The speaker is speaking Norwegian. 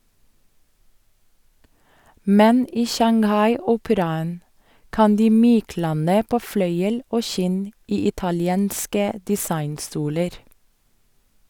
Men i Shanghai-operaen kan de myklande på fløyel og skinn i italienske designstoler.